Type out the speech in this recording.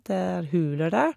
Det er huler der.